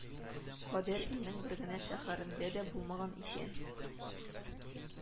Кадәр илнең бер генә шәһәрендә дә булмаган икән